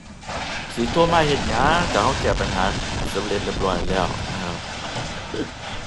สิโทรมาเฮ็ดหยัง ถ้าเราแก้ปัญหาสำเร็จเรียบร้อยแล้วน่ะครับ